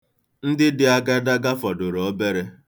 Ndị dị agadaga fọdụrụ obere.